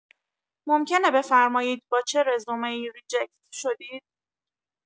ممکنه بفرمایید با چه رزومه‌ای ریجکت شدید؟